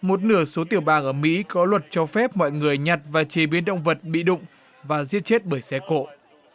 một nửa số tiểu bang ở mỹ có luật cho phép mọi người nhật và chế biến động vật bị đụng và giết chết bởi xe cộ